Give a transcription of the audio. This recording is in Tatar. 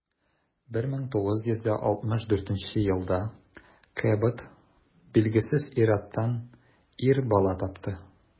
1964 елда кэбот билгесез ир-аттан ир бала тапты.